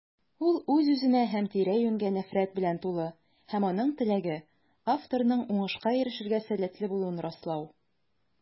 Ул үз-үзенә һәм тирә-юньгә нәфрәт белән тулы - һәм аның теләге: авторның уңышка ирешергә сәләтле булуын раслау.